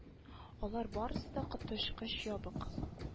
Алар барысы да коточкыч ябык